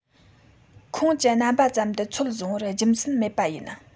ཁོངས ཀྱི རྣམ པ ཙམ དུ ཚོད བཟུང བར རྒྱུ མཚན མེད པ ཡིན